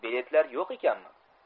biletlar yo'q ekanmi